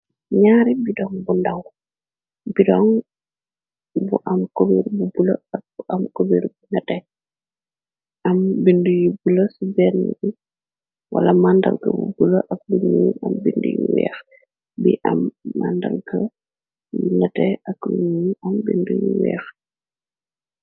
Njaari bidon bu ndaw, bidon mu am couberre bu bleu, ak bu am couberre bu nehteh, am bindu yu bleu cii benu bii, walaa mandarr gah bu bleu ak bindu yu wekh, bii am mandarr gah bu nehteh ak lu njull, am bindu yu wekh.